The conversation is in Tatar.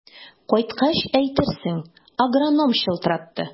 Кайткач әйтерсең, агроном чылтыратты.